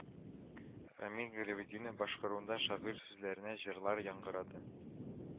Рамил Галәветдинов башкаруында шагыйрь сүзләренә җырлар яңгырады